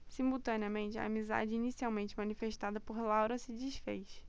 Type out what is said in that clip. simultaneamente a amizade inicialmente manifestada por laura se disfez